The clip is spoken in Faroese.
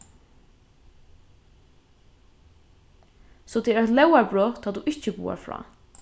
so tað er eitt lógarbrot tá tú ikki boðar frá